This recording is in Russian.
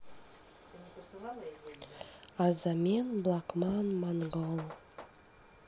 азармен блокман монгол